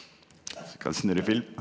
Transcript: kan snurre film.